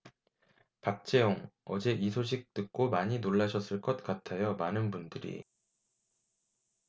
박재홍 어제 이 소식 듣고 많이 놀라셨을 것 같아요 많은 분들이